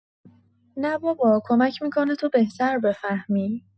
نه بابا، کمک می‌کنه تو بهتر بفهمی.